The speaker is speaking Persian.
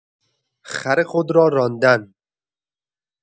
خر خود را راندن